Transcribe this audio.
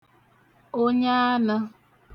onye anə̣̄